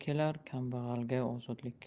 kelar kambag'alga ozodlik